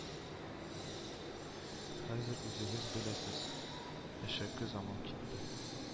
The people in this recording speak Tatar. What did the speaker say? Хәзер, үзегез беләсез, әшәке замана китте